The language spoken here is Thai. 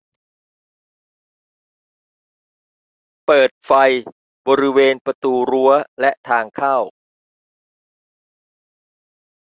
เปิดไฟบริเวณประตูรั้วและทางเข้า